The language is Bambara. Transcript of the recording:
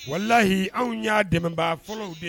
Walahi anw y'a dɛmɛbaa fɔlɔw de